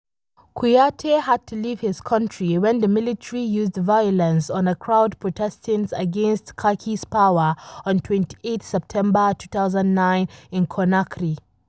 Kouyaté had to leave his country when the military used violence on a crowd protesting against Kaki's power on 28 September 2009 in Conakry.